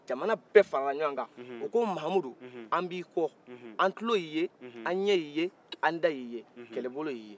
jmana bɛɛ farala ɲɔgɔn kan u ko mamudu an b'i kɔ an kulo y'i ye an ɲɛ y'i ye an da y'i ye kɛlɛ bolo y'i ye